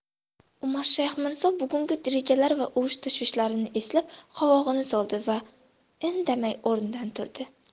umarshayx mirzo bugungi rejalari va urush tashvishlarini eslab qovog'ini soldi da indamay o'rnidan turdi